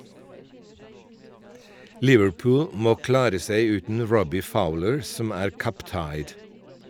Liverpool må klare seg uten Robbie Fowler som er «cup tied».